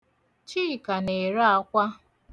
Chika na-ere akwa.